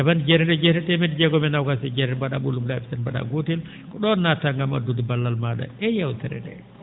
cappan?e jeetati e jeetati teemedde jeegom e noogaas e jeetati mba?aa ?olum laabi tati mba?aa gootel ko ?o naatataa ngam addude ballal maa?a e yeewtere ndee